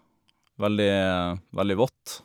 veldig Veldig vått.